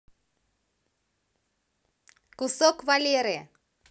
кусок валеры